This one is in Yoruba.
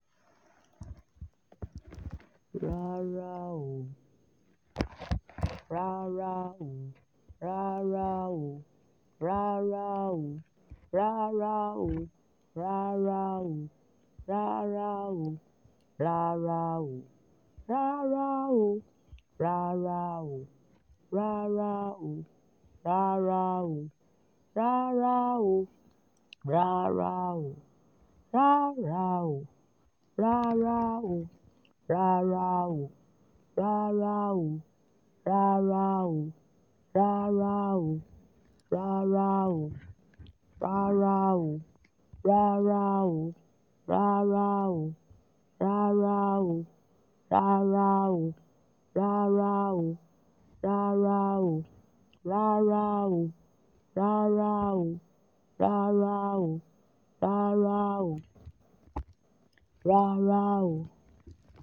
Rárá o.